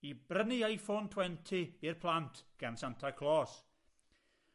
i brynu Iphone twenty i'r plant gan Santa Claus.